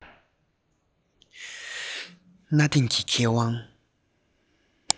གནའ དེང གི མཁས དབང